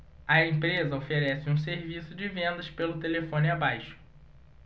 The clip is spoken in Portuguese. a empresa oferece um serviço de vendas pelo telefone abaixo